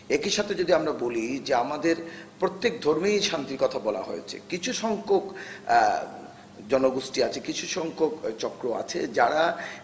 একই সাথে যদি আমরা বলি আমাদের প্রত্যেক ধর্মেই শান্তির কথা বলা হয়েছে কিছু সংখ্যক জনগোষ্ঠী আছে কিছু সংখ্যক চক্র আছে যারা